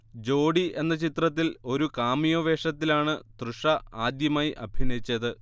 ജോഡി എന്ന ചിത്രത്തിൽ ഒരു കാമിയോ വേഷത്തിലാണ് തൃഷ ആദ്യമായി അഭിനയിച്ചത്